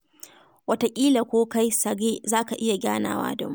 Wataƙila ko kai, Sergey, za ka iya ganawa da mu?